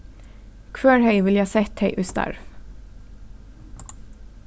hvør hevði viljað sett tey í starv